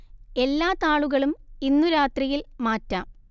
എല്ലാ താളുകളും ഇന്നു രാത്രിയിൽ മാറ്റാം